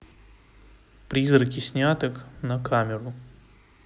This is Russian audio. призраки снятых на камеру